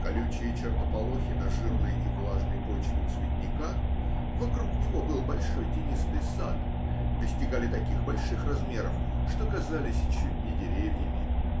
Колючие чертополохи на жирной и влажной почве цветника (вокруг него был большой тенистый сад) достигали таких больших размеров, что казались чуть не деревьями.